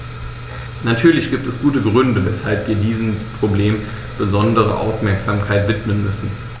Natürlich gibt es gute Gründe, weshalb wir diesem Problem besondere Aufmerksamkeit widmen müssen.